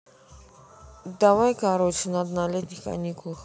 давай короче надо на летних каникулах